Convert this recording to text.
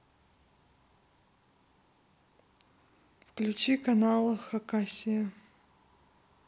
включи канал хакасия